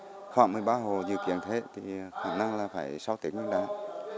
khoảng mười ba hồ dự kiến hết khả năng là phải sau tết nguyên đán